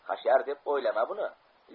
hashar deb o'ylama buni